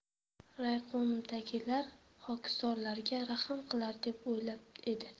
rayqo'mdagilar xokisorlarga rahm qilar deb o'ylab edi